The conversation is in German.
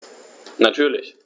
Natürlich.